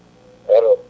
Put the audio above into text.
allo